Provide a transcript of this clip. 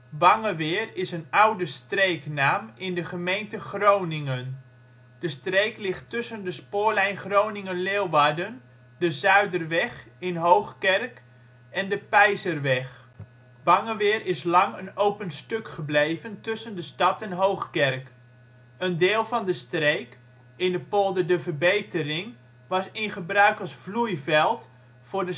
Bangeweer is een oude streeknaam in de gemeente Groningen. De streek ligt tussen de spoorlijn Groningen - Leeuwarden, de Zuiderweg in Hoogkerk en de Peizerweg. Bangeweer is lang een open stuk gebleven tussen de stad een Hoogkerk. Een deel van de streek, in de polder de Verbetering, was in gebruik als vloeiveld voor de